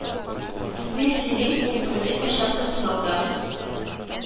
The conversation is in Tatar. Мин сөйлим, ул тыңлый, кайчакта сорау да